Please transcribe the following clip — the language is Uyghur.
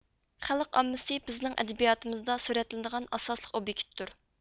خەلق ئاممىسى بىزنىڭ ئەدەبىياتىمىزدا سۈرەتلىنىدىغان ئاساسلىق ئوبيېكتتۇر